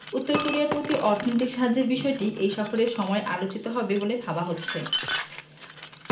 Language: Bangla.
উত্তর কোরিয়ার প্রতি অর্থনৈতিক সাহায্যের বিষয়টিও এই সফরের সময় আলোচিত হবে বলে ভাবা হচ্ছে